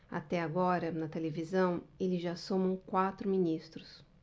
até agora na televisão eles já somam quatro ministros